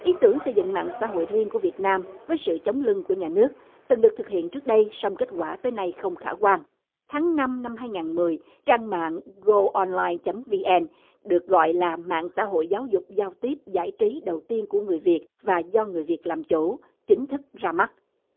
ý tưởng xây dựng mạng xã hội riêng của việt nam với sự chống lưng của nhà nước từng được thực hiện trước đây song kết quả tới nay không khả quan tháng năm năm hai ngàn mười trang mạng gô on lai chấm vn được gọi là mạng xã hội giáo dục giao tiếp giải trí đầu tiên của người việt và do người việt làm chủ chính thức ra mắt